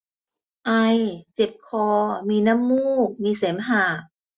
ไอเจ็บคอมีน้ำมูกมีเสมหะ